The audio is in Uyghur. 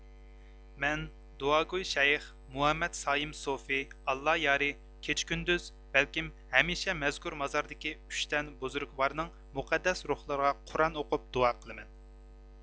مەن دۇئاگوي شەيخ مۇھەممەد سايىم سۇفى ئاللا يارى كېچە كۈندۈز بەلكى ھەمىشە مەزكۇر مازاردىكى ئۈچ تەن بۇزرۇگۋارنىڭ مۇقەددەس روھلىرىغا قۇرئان ئوقۇپ دۇئا قىلىمەن